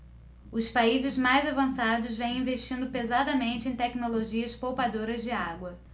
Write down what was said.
os países mais avançados vêm investindo pesadamente em tecnologias poupadoras de água